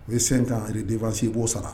U ye sen kan ale defasi b'osa